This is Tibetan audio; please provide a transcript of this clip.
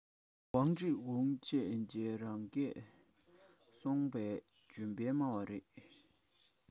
ཝང ཀྲེན ཝུའེ བཅས མཇལ རང སྐད སྲོང པོར བརྗོད པའི སྨྲ བ མེད